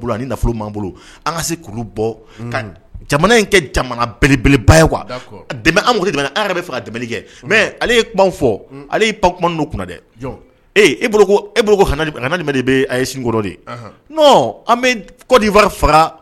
bolo ani nafoloan bolo an ka se bɔ ka jamana in kɛ jamana belebeleba ye an an yɛrɛ bɛ faga ka tɛmɛ kɛ mɛ fɔ pan kunna dɛ e e de sin an faga